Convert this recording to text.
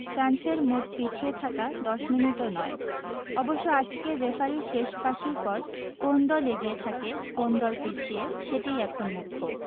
ফ্রান্সের মোট পিছিয়ে থাকা ১০ মিনিটও নয় অবশ্য আজকের রেফারির শেষ বাঁশির পর কোন দল এগিয়ে থাকে কোন দল পিছিয়ে সেটিই এখন মুখ্য